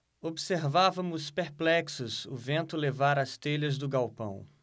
observávamos perplexos o vento levar as telhas do galpão